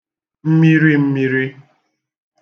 mmirimmīrī